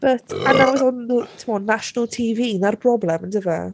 But and now is on m- timod national TV. 'Na'r broblem, yndife?